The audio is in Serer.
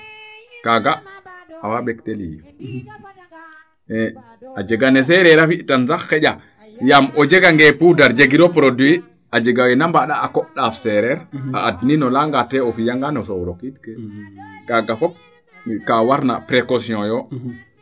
kaaga awa mbektel yiif a jega nee sereer a fitan sax xaƴa yaam o jega ngee poudre jegiro produit a jega weena mbaanda a komb ndaaf sereer a adnin o leya nga te o fiya ngaan o soow rokiid kee kaaga fop kaa warna precaution yo